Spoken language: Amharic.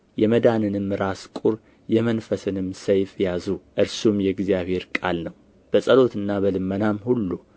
የመዳንንም ራስ ቁር የመንፈስንም ሰይፍ ያዙ እርሱም የእግዚአብሔር ቃል ነው በጸሎትና በልመናም ሁሉ